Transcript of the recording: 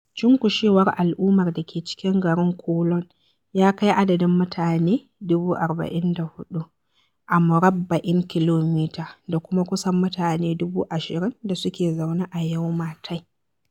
Cunkushewar al'ummar da ke cikin garin Kowloon ya kai adadin mutane 44,000 a murabba'in kilomita, da kuma kusan mutane 20,000 da suke zaune a Yau Ma Tei.